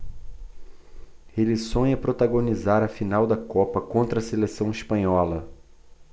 ele sonha protagonizar a final da copa contra a seleção espanhola